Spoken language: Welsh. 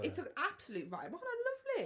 It's an absolute vibe. Mae hwnna'n lyfli.